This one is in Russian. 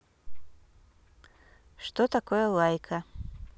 что такое лайка